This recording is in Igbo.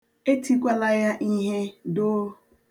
Etikwala ya ihe, doo.